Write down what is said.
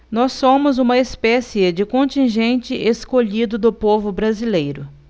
nós somos uma espécie de contingente escolhido do povo brasileiro